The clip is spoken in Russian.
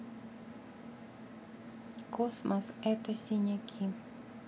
космос это синяки